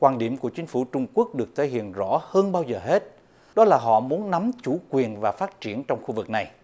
quan điểm của chính phủ trung quốc được thể hiện rõ hơn bao giờ hết đó là họ muốn nắm chủ quyền và phát triển trong khu vực này